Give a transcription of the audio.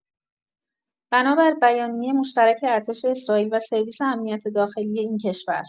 بنا بر بیانیه مشترک ارتش اسرائیل و سرویس امنیت داخلی این کشور